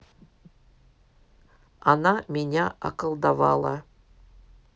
она меня околдовала